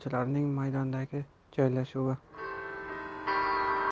futbolchilarining maydondagi joylashuvi